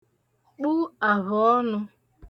kpụ avhọọnụ